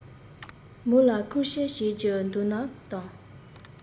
མོ ལ ཁུངས སྐྱེལ བྱེད རྒྱུ འདུག ན དང